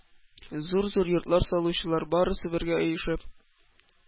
Зур-зур йортлар салучылар, барысы бергә оешып,